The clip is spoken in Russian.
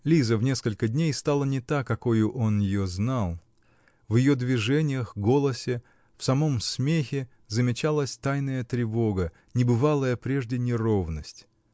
Лиза в несколько дней стала не та, какою он ее знал: в ее движениях, голосе, в самом смехе замечалась тайная тревога, небывалая прежде неровность.